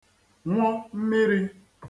nwụ mmirī